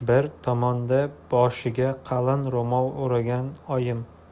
bir tomonda boshiga qalin ro'mol o'ragan oyim